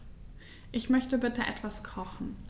Ich möchte bitte etwas kochen.